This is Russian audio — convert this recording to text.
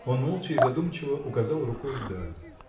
Он молча и задумчиво указал рукой вдаль.